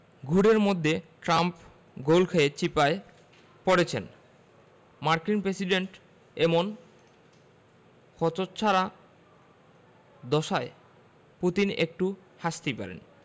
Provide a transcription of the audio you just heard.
ঘোরের মধ্যে ট্রাম্প গোল খেয়ে চিপায় পড়েছেন মার্কিন প্রেসিডেন্টের এমন হতচ্ছাড়া দশায় পুতিন একটু হাসতেই পারেন